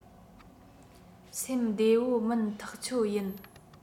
སེམས བདེ པོ མིན ཐག ཆོད ཡིན